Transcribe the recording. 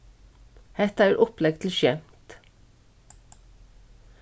hetta er upplegg til skemt